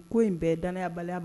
Ko in bɛɛ danya bali